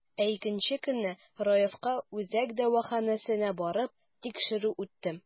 Ә икенче көнне, Раевка үзәк дәваханәсенә барып, тикшерү үттем.